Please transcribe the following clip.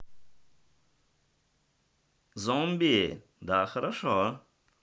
zombie да хорошо